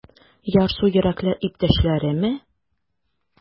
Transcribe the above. Ярсу йөрәкле иптәшләреме?